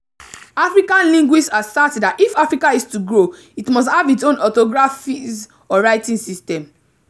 African linguists assert that if Africa is to grow, it must have its own orthographies or writing systems.